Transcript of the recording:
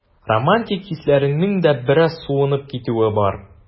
Романтик хисләреңнең дә бераз суынып китүе бар.